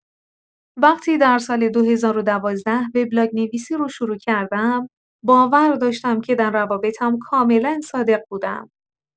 وقتی در سال ۲۰۱۲ وبلاگ‌نویسی را شروع کردم، باور داشتم که در روابطم کاملا صادق بوده‌ام.